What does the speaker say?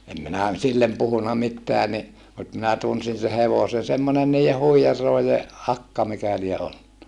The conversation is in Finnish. en minä sille puhunut mitään niin mutta minä tunsin sen hevosen semmoinen niiden huijarien akka mikä lie ollut